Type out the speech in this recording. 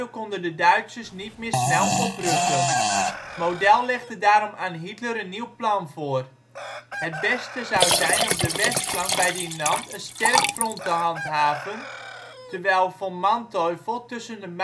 konden de Duitsers niet meer snel oprukken. Model legde daarom aan Hitler een nieuw plan voor. Het beste zou zijn op de westflank bij Dinant een sterk front te handhaven, terwijl Von Manteuffel tussen